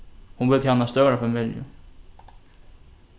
hon vildi hava eina stóra familju